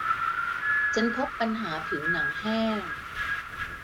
ฉันพบปัญหาผิวหนังแห้ง